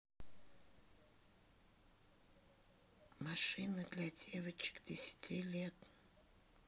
машины для девочек десяти лет